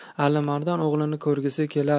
alimardon o'g'lini ko'rgisi kelar